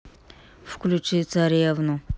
включи царевну